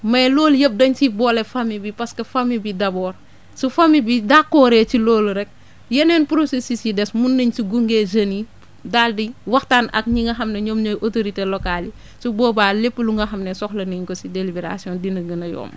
mais loolu yëpp dañ si boole famille bi parce que famille bi d' abord su famille bi d' accord ci loolu rek yeneen processus yi des mun nañ si gunge jeunes yi daal di waxtaan ak ñi nga xam ne ñoom ñooy autorités locales yi su boobaa lépp lu nga xam ne soxla nañ ko si délibération dina gën a yomb